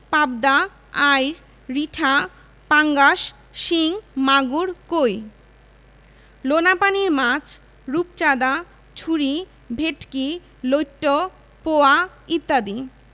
রংপুরের কাউনিয়া উপজেলায় তিস্তা নদীর উপর তিস্তা সেতু ইত্যাদি বিশেষভাবে উল্লেখযোগ্য গুরুত্বপূর্ণ অভ্যন্তরীণ নৌবন্দর